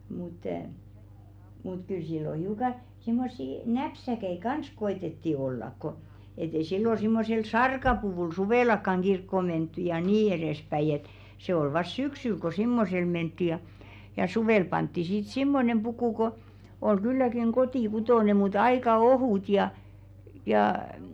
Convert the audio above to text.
mutta mutta kyllä silloin hiukan semmoisia näpsäköitä kanssa koetettiin olla kun että ei silloin semmoisella sarkapuvulla suvellakaan kirkkoon menty ja niin edespäin että se oli vasta syksyllä kun semmoisella mentiin ja ja suvella pantiin sitten semmoinen puku kun oli kylläkin kotikutoinen mutta aika ohut ja ja mm